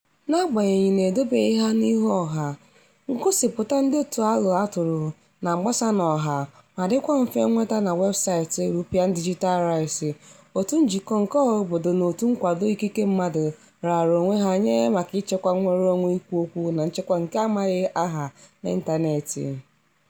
N'agbanyeghi na edobeghi ha n'ihu ọha, ngosipụta ndetu alo atụrụ na-agbasa n'ọha ma dịkwa mfe nweta na weebụsaịtị European Digital Rights, òtù njikọ nke ọhaobodo na òtù nkwado ikike mmadụ raara onwe ha nye maka ichekwa nnwereonwe ikwu okwu na nchekwa nke amaghị aha n'ịntaneetị.